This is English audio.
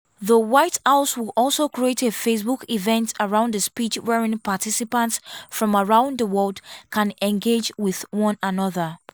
The White House will also create a Facebook “event” around the speech wherein participants from around the world can engage with one another.